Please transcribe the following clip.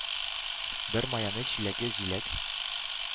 Бер майонез чиләге җиләк –